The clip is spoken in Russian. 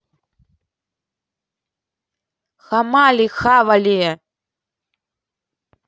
hammali хавали